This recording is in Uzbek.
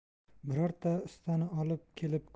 birorta ustani olib kelib